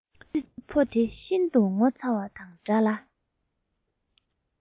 ཙི ཙི ཕོ དེ ཤིན ཏུ ངོ ཚ བ དང འདྲ ལ